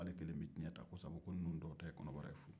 k'ale kelen bɛ ciɲɛ ta ko sabu ko ninnu tɔw ta ye kɔnɔbara ye fu